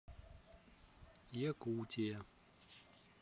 якутия